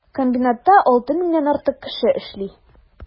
Комбинатта 6 меңнән артык кеше эшли.